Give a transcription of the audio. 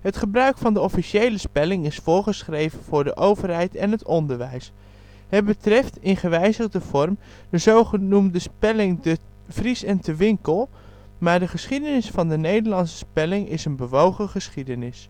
Het gebruik van de officiële spelling is voorgeschreven voor de overheid en het onderwijs. Het betreft, in gewijzigde vorm, de zogenoemde spelling-De Vries en Te Winkel. Maar de geschiedenis van de Nederlandse spelling is een bewogen geschiedenis